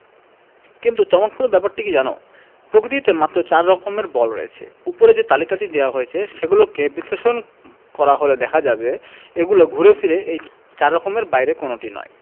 কিন্তু চমকপ্রদ ব্যাপারটি কী জানো প্রকৃতিতে মাত্র চার রকমের বল রয়েছে ওপরে যে তালিকা দেওয়া হয়েছে সেগুলোকে বিশ্লেষণ করা হলে দেখা যাবে এগুলো ঘুরে ফিরে এই চার রকমের বাইরে কোনোটা নয়